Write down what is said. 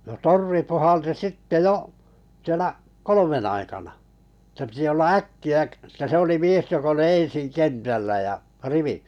no torvi puhalsi sitten jo siellä kolmen aikana että piti olla äkkiä - että se oli mies joka oli ensin kentällä ja -